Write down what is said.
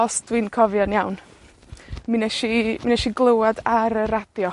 Os dwi'n cofio'n iawn. Mi wnesh i, mi nesh i glywad ar y radio.